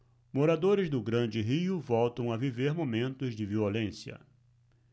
moradores do grande rio voltam a viver momentos de violência